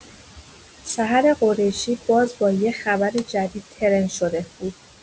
سحر قریشی باز با یه خبر جدید ترند شده بود.